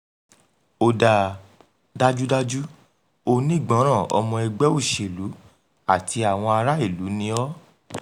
Ó dáa, dájúdájú onígbọràn ọmọ ẹgbẹ́ òṣèlú àti àwọn ará ìlú ni ọ́.